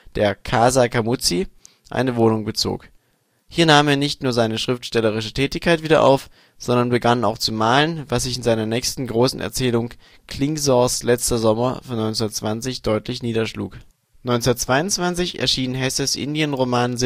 der " Casa Camuzzi ", eine Wohnung bezog. Hier nahm er nicht nur seine schriftstellerische Tätigkeit wieder auf, sondern begann auch zu malen, was sich in seiner nächsten großen Erzählung " Klingsors letzter Sommer " von 1920 deutlich niederschlug. 1922 erschien Hesses Indien-Roman